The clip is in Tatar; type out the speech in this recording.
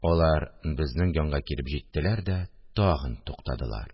Алар безнең янга килеп җиттеләр дә тагын туктадылар